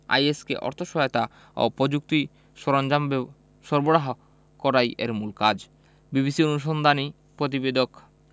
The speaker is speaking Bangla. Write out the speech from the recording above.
আইএস কে অর্থ সহায়তা ও প্রযুক্তি সরঞ্জাম সরবরাহ করাই এর মূল কাজ বিবিসির অনুসন্ধানী প্রতিবেদক